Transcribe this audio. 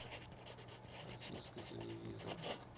очистка телевизора